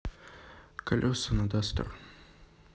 колеса на дастер